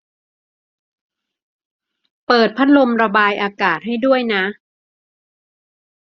เปิดพัดลมระบายอากาศให้ด้วยนะ